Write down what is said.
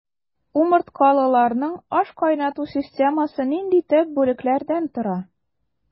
Умырткалыларның ашкайнату системасы нинди төп бүлекләрдән тора?